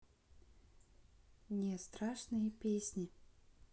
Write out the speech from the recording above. не страшные песни